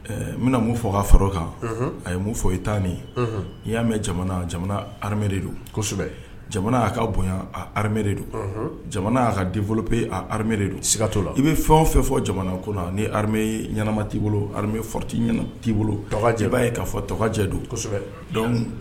N bɛna mun fɔ ka fara kan a ye mun fɔ i tan ye n' y'a mɛn jamana jamana hame don jamana y'a ka bonyame de don jamana y'a ka denfɔ pe ameri don skatɔ la i bɛ fɛnw fɛ fɔ jamana ko ni ha ɲɛnama boloti ɲɛna t'i bolo tɔgɔjɛ'a ye kajɛ don